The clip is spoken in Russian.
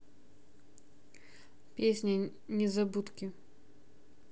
песня незабудки